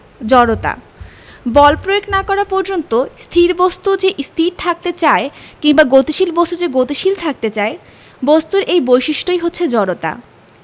জড়তা বল প্রয়োগ না করা পর্যন্ত স্থির বস্তু যে স্থির থাকতে চায় কিংবা গতিশীল বস্তু যে গতিশীল থাকতে চায় বস্তুর এই বৈশিষ্ট্যটাই হচ্ছে জড়তা